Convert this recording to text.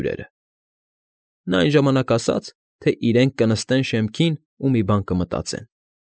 Հյուրերը։ Նա այն ժամանակ ասաց, թե իրենք կնստեն շեմքին ու մի բան կմտածեն։